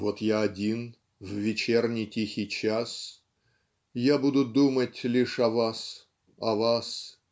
Вот я один в вечерний тихий час, Я буду думать лишь о вас, о вас.